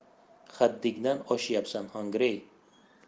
haddingdan oshyapsan xongirey